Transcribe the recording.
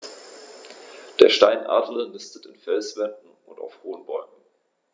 Der Steinadler nistet in Felswänden und auf hohen Bäumen.